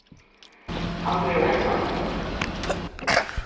hann verður einsamallur